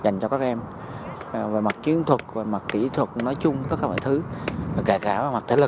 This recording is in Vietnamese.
dành cho các em về mặt chiến thuật về mặt kỹ thuật nói chung tất cả mọi thứ ờ kể cả về mặt thể lực